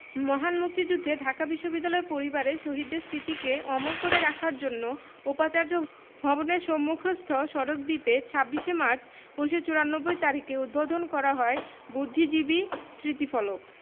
মহান মুক্তিযুদ্ধে ঢাকা বিশ্ববিদ্যালয় পরিবারের শহীদদের স্মৃতিকে অমর করে রাখার জন্য উপাচার্য ভবনের সম্মুখস্থ সড়ক দ্বীপে ২৬ মার্চ ১৯৯৪ তারিখে উদ্বোধন করা হয় বুদ্ধিজীবী স্মৃতিফলক